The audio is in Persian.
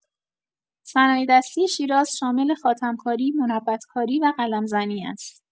صنایع‌دستی شیراز شامل خاتم‌کاری، منبت‌کاری و قلم‌زنی است.